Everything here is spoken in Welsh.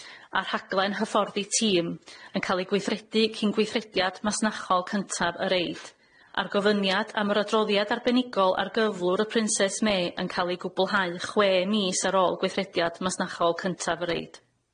a rhaglen hyfforddi tîm yn ca'l ei gweithredu cyn gweithrediad masnachol cyntaf y reid a'r gofyniad am yr adroddiad arbenigol ar gyflwr y Prinses Mê yn ca'l ei gwblhau chwe mis ar ôl gweithrediad masnachol cyntaf y reid.